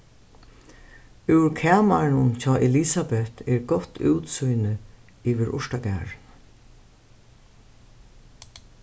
úr kamarinum hjá elisabet er gott útsýni yvir urtagarðin